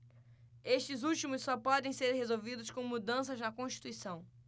estes últimos só podem ser resolvidos com mudanças na constituição